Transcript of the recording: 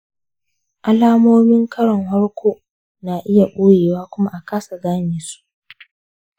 alamomin karon farko na iya ɓoyewa kuma a kasa gane su.